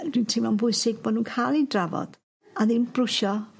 yy dwi'n teimlo'n bwysig bo' nw'n ca'l 'u drafod a ddim brwsio